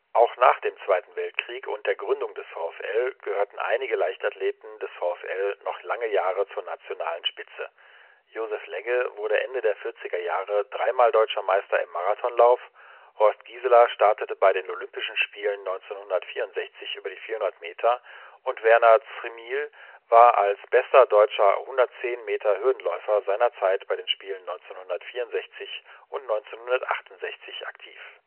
Auch nach dem Zweiten Weltkrieg und der Gründung des VfL gehörten einige Leichtathleten des VfL noch lange Jahre zur nationalen Spitze: Josef Legge wurde Ende der 40er Jahre drei Mal Deutscher Meister im Marathonlauf, Horst Gieseler startete über bei den Olympischen Spielen 1964 über die 400m und Werner Trzmiel war als bester deutscher 110m-Hürdenläufer seiner Zeit bei den Spielen 1964 und 1968 aktiv